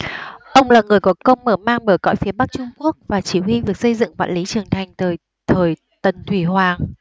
ông là người có công mở mang bờ cõi phía bắc trung quốc và chỉ huy việc xây dựng vạn lý trường thành thời thời tần thủy hoàng